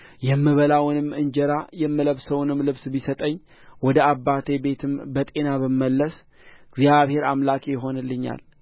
የምበላውንም እንጀራ የምለብሰውንም ልብስ ቢሰጠኝ ወደ አባቴ ቤትም በጤና ብመለስ እግዚአብሔር አምላኬ ይሆንልኛል